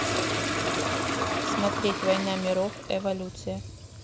смотреть война миров эволюция